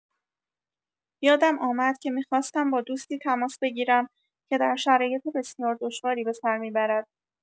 یادم آمد که می‌خواستم با دوستی تماس بگیرم که در شرایط بسیار دشواری به سر می‌برد.